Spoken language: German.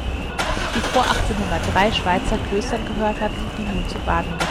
1803 Schweizer Klöstern gehört hatten und die nun zu Baden